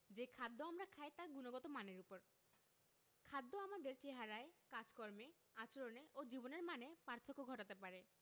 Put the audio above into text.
যে খাদ্য আমরা খাই তার গুণগত মানের ওপর খাদ্য আমাদের চেহারায় কাজকর্মে আচরণে ও জীবনের মানে পার্থক্য ঘটাতে পারে